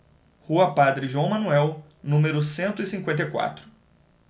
rua padre joão manuel número cento e cinquenta e quatro